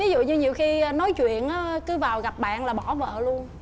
ví dụ như nhiều khi nói chuyện á cứ vào gặp bạn là bỏ vợ luôn